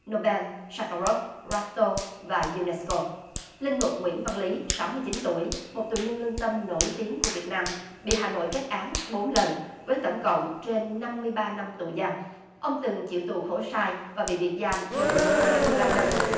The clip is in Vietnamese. nô beo sa ka rốp ráp tô và ui nét cô linh mục nguyễn văn lý sáu mươi chín tuổi một tù nhân lương tâm nổi tiếng của việt nam bị hà nội kết án bốn lần với tổng cộng trên năm mươi ba năm tù giam ông từng chịu tù khổ sai và bị biệt giam trên hai mươi ba năm